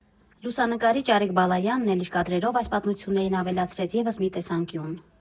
Լուսանկարիչ Արեգ Բալայանն էլ իր կադրերով այս պատմություններին ավելացրեց ևս մի տեսանկյուն։